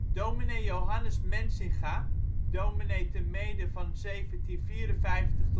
Dominee Johannes Mensinga, dominee te Meeden van 1754 tot